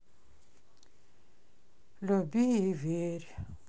люби и верь